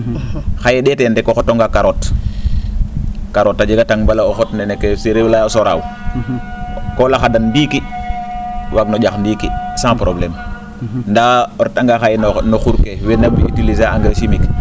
xaye ?eeteen rek o xotanga carotte carotte a jega tang balaa o xot nen kee o sereer a laya soraaw ko laxadan ndiiki waag no ?ax ndiiki sans probleme nda o retanga xaye no xur ke weena utiliser a engrais chimique